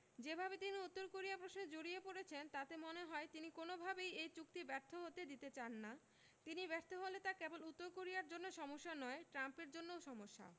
যেভাবে তিনি উত্তর কোরিয়া প্রশ্নে জড়িয়ে পড়েছেন তাতে মনে হয় তিনি কোনোভাবেই এই চুক্তি ব্যর্থ হতে দিতে চান না তিনি ব্যর্থ হলে তা কেবল উত্তর কোরিয়ার জন্য সমস্যা নয় ট্রাম্পের জন্যও সমস্যা